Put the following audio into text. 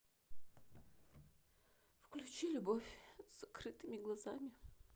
включи любовь с закрытыми глазами